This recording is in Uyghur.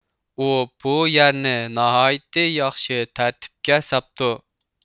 ئۇ بۇ يەرنى ناھايىتى ياخشى تەرتىپكە ساپتۇ